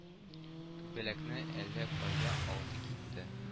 Күбәләкне әллә кайда, алды китте